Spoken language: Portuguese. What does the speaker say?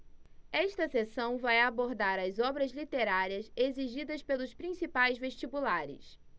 esta seção vai abordar as obras literárias exigidas pelos principais vestibulares